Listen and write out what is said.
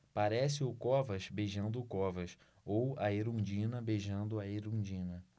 parece o covas beijando o covas ou a erundina beijando a erundina